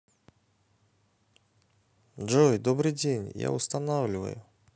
джой добрый день я устанавливаю